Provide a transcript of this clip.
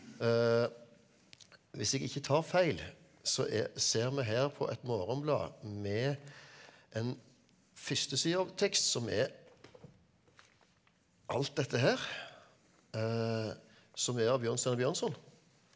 hvis jeg ikke tar feil så er ser vi her på et morgenblad med en førstesidetekst som er alt dette her som er av Bjørnstjerne Bjørnson,